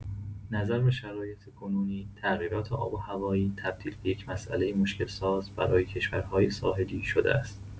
نظر به شرایط کنونی، تغییرات آب و هوایی تبدیل به یک مسئله مشکل‌ساز برای کشورهای ساحلی شده است.